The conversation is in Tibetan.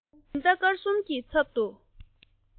ཉི ཟླ སྐར གསུམ གྱི ཚབ ཏུ